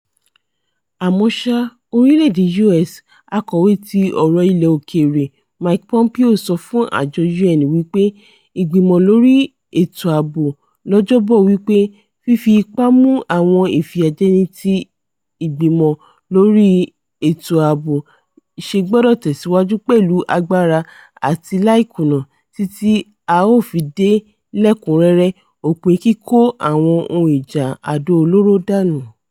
Àmọ́ sá, orílẹ̀-èdè U.S Akọ̀wé ti Ọ̀rọ̀ Ilẹ̀ Òkèèrè Mike Pompeo sọ fún àjọ UN wí pé Ìgbìmọ lórí Ètò Ààbo lọ́jọ́ 'Bọ̀ wí pé: ''Fífi ipá mú àwọn ìfìyàjẹni ti Ìgbìmọ lórí Ètò Ààbo ṣẹ gbọdọ̀ tẹ̀síwájú pẹ̀lú agbára àti láìkùnà títí a ó fi dé lẹ́ẹ̀kúnrẹ́rẹ́, òpin, kíkó àwọn ohun ìjà àdó olóró dànù.